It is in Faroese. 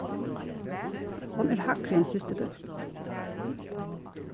hon er hægri enn systir tín